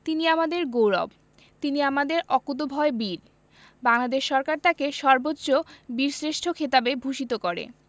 তিনি আমাদের গৌরব তিনি আমাদের অকুতোভয় বীর বাংলাদেশ সরকার তাঁকে সর্বোচ্চ বীরশ্রেষ্ঠ খেতাবে ভূষিত করে